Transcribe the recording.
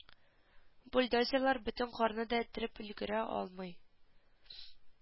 Бульдозерлар бөтен карны да эттереп өлгерә алмый